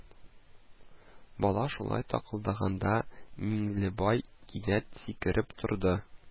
Бала шулай такылдаганда Миңлебай кинәт сикереп торды